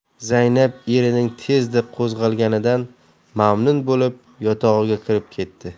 zaynab erining tezda qo'zg'alganidan mamnun bo'lib yotog'iga kirib ketdi